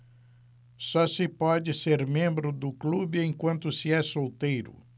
só se pode ser membro do clube enquanto se é solteiro